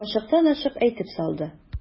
Ачыктан-ачык әйтеп салды.